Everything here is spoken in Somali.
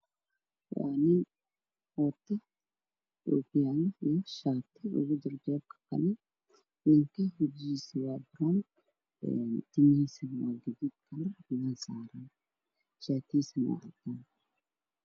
Waa nin wato oo kiyaalo ninka timihiisa waa gaduud shaa tigiisa waa cadaan